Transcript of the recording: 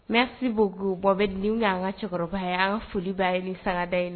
Mɛsi bɔ gbɔ bɛ ni na an ka cɛkɔrɔba ye an ka foli ba ye ni sanda in na